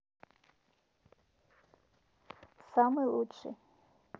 самый лучший